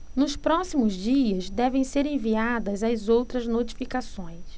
nos próximos dias devem ser enviadas as outras notificações